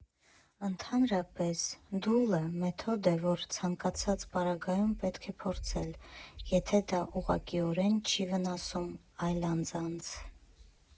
Ընդհանրապես, «֊դուլ»֊ը մեթոդ է, որը ցանկացած պարագայում պետք է փորձել, եթե դա ուղղակիորեն չի վնասում այլ անձանց։